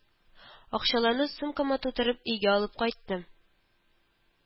Акчаларны сумкама тутырып өйгә алып кайттым